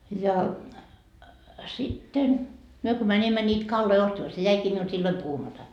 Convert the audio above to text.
ja sitten me kun menimme niitä kaloja ostamaan se jäikin minulta silloin puhumatta